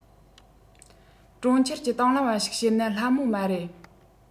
གྲོང ཁྱེར གྱི དང བླངས པ ཞིག བྱེད ན སླ མོ མ རེད